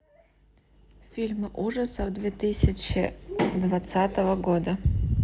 фильмы ужасов две тысячи двадцатого года